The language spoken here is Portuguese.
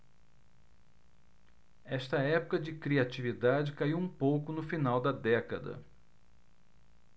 esta época de criatividade caiu um pouco no final da década